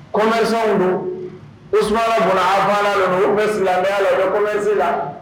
commerçants do, Usmane bun Aafana de don ; u tun bɛ silamaya la, u bɛ commerce kɛ